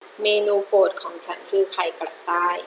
เมนูโปรดของฉันคือไข่กระจาย